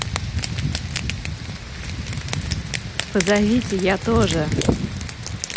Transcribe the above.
позовите я тоже